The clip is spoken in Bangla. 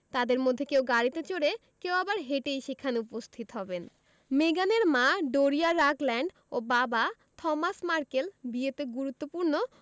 তাঁদের মধ্যে কেউ গাড়িতে চড়ে কেউ আবার হেঁটেই সেখানে উপস্থিত হবেন মেগানের মা ডোরিয়া রাগল্যান্ড ও বাবা থমাস মার্কেল বিয়েতে গুরুত্বপূর্ণ